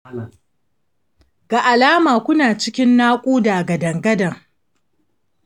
ga alama ku na cikin naƙuda gadan-gadan